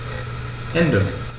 Ende.